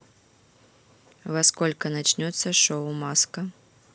во сколько начнется шоу маска